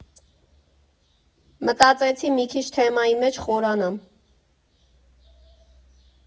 Մտածեցի՝ մի քիչ թեմայի մեջ խորանամ։